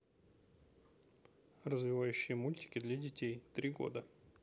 развивающие мультики для детей три года